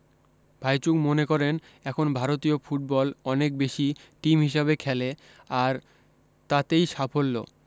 ভাইচুং মনে করেন এখন ভারতীয় ফুটবল অনেক বেশী টিম হিসাবে খেলে আর তাতেই সাফল্য